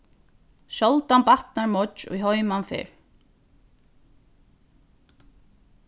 sjáldan batnar moyggj ið heiman fer